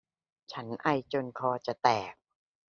ฉันไอจนคอจะแตก